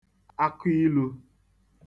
akụilū